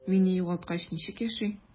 Мине югалткач, ничек яши?